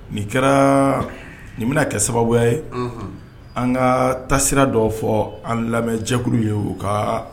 Nin' kɛra nin bɛna kɛ sababu ye an ka tasira dɔw fɔ an lamɛnjɛkulu ye ka